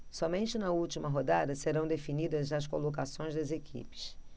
somente na última rodada serão definidas as colocações das equipes